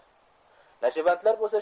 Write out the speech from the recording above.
nashavandlar bo'lsa